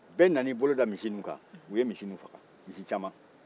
bɛɛ nan'i bolo da misi ninnu kan u ye misi ninnu faga misi caman